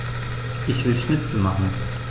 Ich will Schnitzel machen.